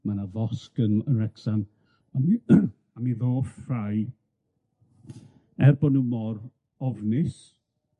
Ma' 'na fosg yn yn Wrecsam a mi a mi ddoth rhai, er bo' nw mor ofnus,